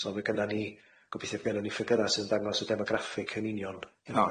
So ma' gynna ni gobeithio fy' gynna ni ffygyra sy'n dangos y demograffig yn union.